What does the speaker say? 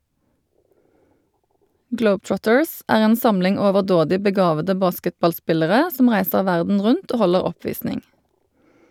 Globetrotters er en samling overdådig begavede basketballspillere som reiser verden rundt og holder oppvisning.